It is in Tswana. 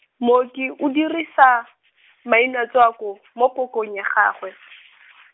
mmoki o dirisa, mainatswako mo pokong ya gagwe.